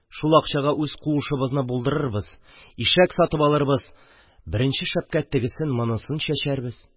Шул акчага үз куышыбызны булдырырбыз, ишәк сатып алырбыз, беренче шәпкә тегесен-монысын чәчәрбез